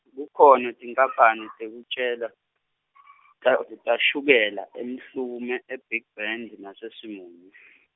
kukhona tinkapane tashukela ta- , tashukela eMhlume e- Big Bend nase Simunye.